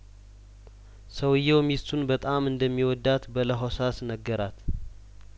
ሰውዬው ሚስቱን በጣም እንደሚወዳት በለሆሳ ስነገራት